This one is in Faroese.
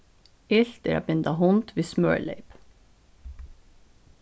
ilt er at binda hund við smørleyp